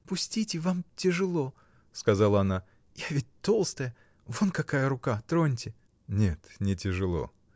— Пустите, вам тяжело, — сказала она, — я ведь толстая — вон какая рука — троньте! — Нет, не тяжело.